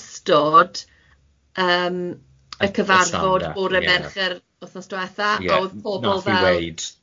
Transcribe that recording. ystod yym y cyfarfod bore Mercher wthnos dwetha ... Nath hi weud.